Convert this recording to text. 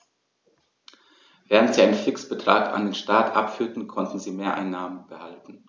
Während sie einen Fixbetrag an den Staat abführten, konnten sie Mehreinnahmen behalten.